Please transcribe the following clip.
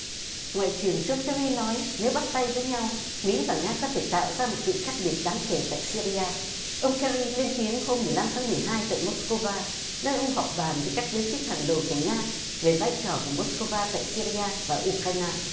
ngoại trưởng rôn ke ri nói nếu bắt tay với nhau mỹ và nga có thể tạo ra một sự khác biệt đáng kể tại sia ri a ông ke ri lên tiếng hôm mười lăm tháng mười hai tại mốt cô va nơi ông họp bàn với các giới chức hàng đầu của nga về vai trò của mốt cô va tại sia ri a và u cờ rai na